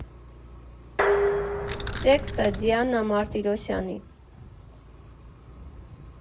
Տեքստը՝ Դիանա Մարտիրոսյանի։